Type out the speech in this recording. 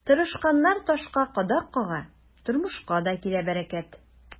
Тырышканнар ташка кадак кага, тормышка да килә бәрәкәт.